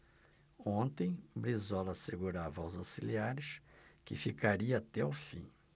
ontem brizola assegurava aos auxiliares que ficaria até o fim